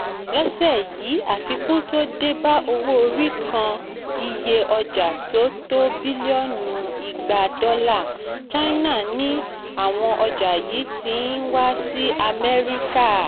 Lọ́sẹ̀ yí àfikún tó dé bá owó-orí kan iye ọjà tó tó bílíọ́nù 200 dọ́là. China ni àwọn ọjà yí tí ń wá sí Amẹ́ríkà.